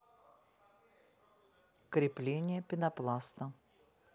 крепление пенопласта